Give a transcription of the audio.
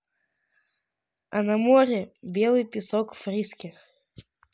а на море белый песок фриске